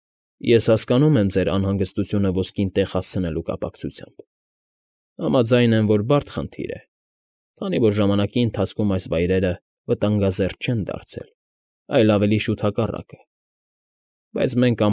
Ես հասկանում եմ ձեր անհանգստությունը ոսկին տեղ հասցնելու կապակցությամբ, համաձայն եմ, որ բարդ խնդիր է, քանի որ ժամանակի ընթացքում այս վայրերը վտանգազերծ չեն դարձել, այլ ավելի շուտ հակառակը, բայց մենք։